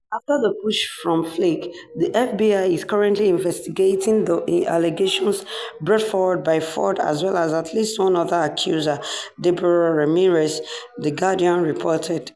After the push from Flake, the FBI is currently investigating the allegations brought forward by Ford as well as at least one other accuser, Deborah Ramirez, The Guardian reported.